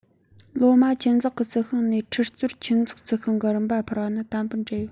ལོ མ འཁྱུད འཛེག གི རྩི ཤིང ནས འཁྲིལ ཙོར འཁྱུད འཛེག རྩི ཤིང གི རིམ པ འཕར བ ནི དམ པོར འབྲེལ ཡོད